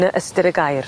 Ny ystyr y gair.